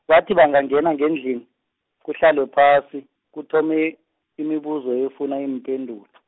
bathi bangangena ngendlini, kuhlalwe phasi, kuthome, imibuzo efuna iimpendulo .